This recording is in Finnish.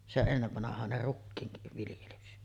se ennenvanhainen rukiin viljelys